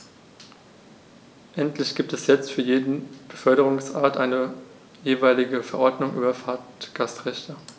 Endlich gibt es jetzt für jede Beförderungsart eine jeweilige Verordnung über Fahrgastrechte.